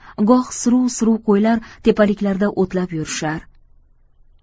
goh suruv suruv qo'ylar tepaliklarda o'tlab yurishar